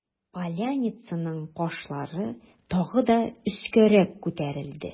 Поляницаның кашлары тагы да өскәрәк күтәрелде.